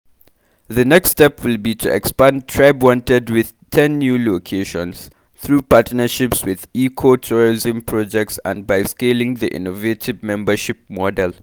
The next step will be to expand TribeWanted with 10 new locations, through partnerships with other eco-tourism projects and by scaling the innovative membership model.